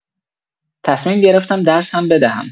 تصمیم گرفتم درس هم بدهم.